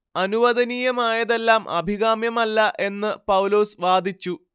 അനുവദനീയമായതെല്ലാം അഭികാമ്യമല്ല എന്ന് പൗലോസ് വാദിച്ചു